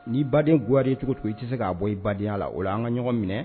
N'i baden goyara i ye cogo o cogo i tɛ se k'a bɔ i badenya la, o la an ka ɲɔgɔn minɛ